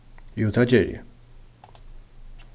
jú tað geri eg